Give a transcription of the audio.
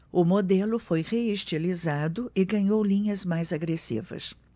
o modelo foi reestilizado e ganhou linhas mais agressivas